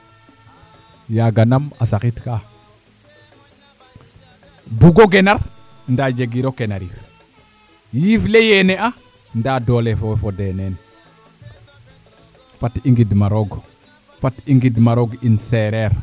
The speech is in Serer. yaaga nam a saxit kaa bugo genar ndaa jegiro kenarir yiif le yeena a ndaa doole fe fodee neen fat i ngidma roog fat i ngidma roog in Seereer